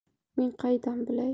men qaydan bilay